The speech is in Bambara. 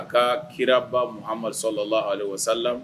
A ka kiraba amadu salala ali wa sala